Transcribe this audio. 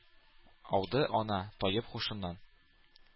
Ауды ана, таеп һушыннан,